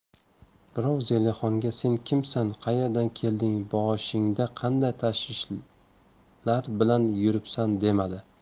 birov zelixonga sen kimsan qaerdan kelding boshingda qanday tashvishlar bilan yuribsan demadi